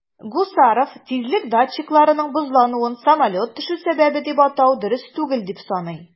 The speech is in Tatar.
Гусаров тизлек датчикларының бозлануын самолет төшү сәбәбе дип атау дөрес түгел дип саный.